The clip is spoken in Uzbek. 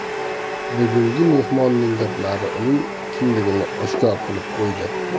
bugungi mehmonning gaplari uning kimligini oshkor qilib qo'ydi